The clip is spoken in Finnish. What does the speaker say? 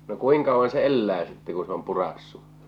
no kuinka kauan se elää sitten kun se on puraissut